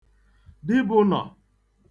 dibụnọ̀